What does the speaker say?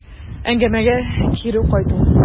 Әңгәмәгә кире кайту.